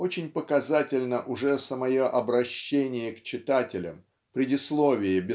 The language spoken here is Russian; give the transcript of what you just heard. очень показательно уже самое обращение к читателям предисловие